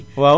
waaw